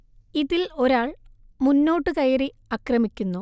ഇതിൽ ഒരാൾ മുന്നോട്ടു കയറി അക്രമിക്കുന്നു